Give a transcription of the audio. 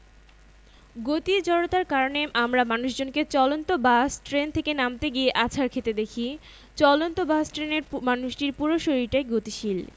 কোনো কিছুর জড়তা যদি বেশি হয় তাহলে বুঝতে হবে তার ভরও নিশ্চয়ই বেশি জড়তা যদি কম হয় তাহলে ভরও কম তোমরা নিশ্চয়ই এটা লক্ষ করেছ সমান পরিমাণ বল প্রয়োগ করা হলে যার ভর বেশি সেটাকে বেশি বিচ্যুত করা যায় না কিন্তু যার ভয় কম